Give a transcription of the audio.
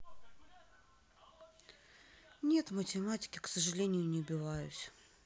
нет в математике к сожалению не убиваюсь